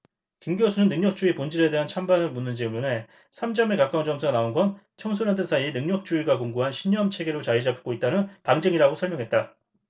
김 교수는 능력주의 본질에 대한 찬반을 묻는 질문에 삼 점에 가까운 점수가 나온 건 청소년들 사이에 능력주의가 공고한 신념체계로 자리잡고 있다는 방증이라고 설명했다